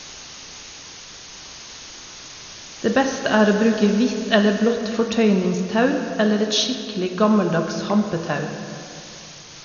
Det beste er å bruke hvitt eller blått fortøyningstau eller et skikkelig gammeldags hampetau.